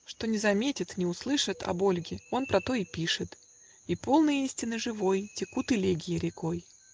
Что ни заметит, ни услышит Об Ольге, он про то и пишет: И, полны истины живой, Текут элегии рекой.